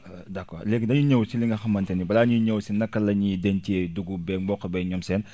d' accord léegi dañuy ñëw ci li nga xamante ni balaa ñuy ñëw ci naka la ñuy dencee dugub beeg mboq beeg ñoom seen